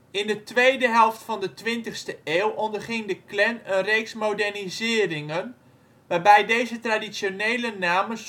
In de tweede helft van de 20e eeuw onderging de Klan een reeks moderniseringen waarbij deze traditionele namen